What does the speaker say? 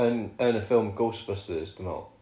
yn yn y ffilm Ghostbusters dwi meddwl.